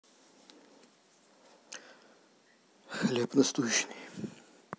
хлеб насущный